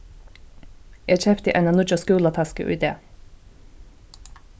eg keypti eina nýggja skúlatasku í dag